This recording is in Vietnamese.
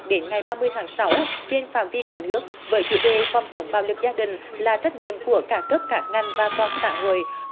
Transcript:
đến ngày ba mươi tháng sáu trên phạm vi cả nước với chủ đề phòng chống bạo lực gia đình là trách nhiệm của cả cấp các ngành và toàn xã hội